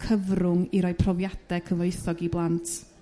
cyfrwng i roi profiade cyfoethog i blant.